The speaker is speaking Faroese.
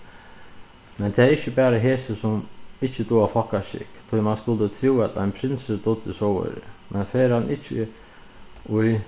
men tað er ikki bara hesi sum ikki duga fólkaskikk tí mann skuldi trúð at ein prinsur dugdi sovorðið men fer hann ikki í